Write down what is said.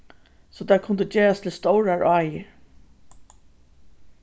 so teir kundu gerast til stórar áir